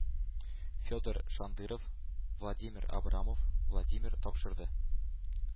Федор Шандыров, Владимир Абрамов, Владимир тапшырды.